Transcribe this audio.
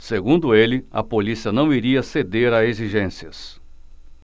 segundo ele a polícia não iria ceder a exigências